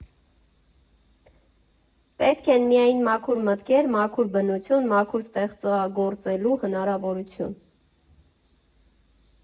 Պետք են միայն մաքուր մտքեր, մաքուր բնություն, մաքուր ստեղծագործելու հնարավորություն։